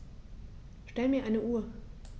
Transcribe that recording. Stell mir eine Uhr.